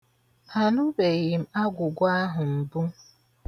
Anụbeghị m agwụ̀gwa ahụ mbụ.